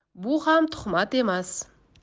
bu ham tuhmat emas